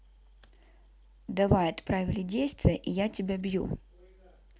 давай отправили действия и я тебя бью